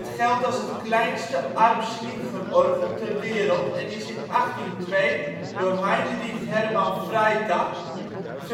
geldt als het kleinste Arp Schnitger-orgel ter wereld en is in 1802 door Heinrich Hermann Freytag verbouwd